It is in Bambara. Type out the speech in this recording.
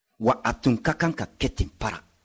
wa a tun ka kan ka kɛ ten para